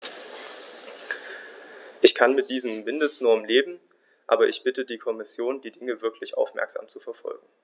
Ich kann mit diesen Mindestnormen leben, aber ich bitte die Kommission, die Dinge wirklich aufmerksam zu verfolgen.